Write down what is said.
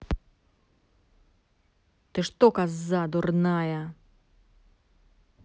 ты что коза дурная